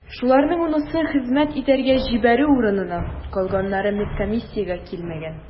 Шуларның унысы хезмәт итәргә җибәрү урынына, калганнары медкомиссиягә килмәгән.